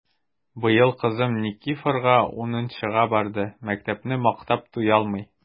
Быел кызым Никифарга унынчыга барды— мәктәпне мактап туялмый!